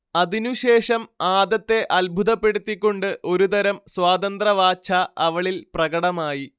അതിനു ശേഷം ആദത്തെ അത്ഭുതപ്പെടുത്തിക്കൊണ്ട് ഒരു തരം സ്വാതന്ത്രവാച്ഛ അവളിൽ പ്രകടമായി